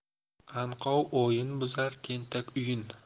anqov o'yin buzar tentak uyin